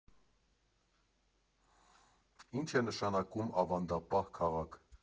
Ի՞նչ է նշանակում ավանդապահ քաղաք.